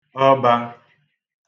ọbā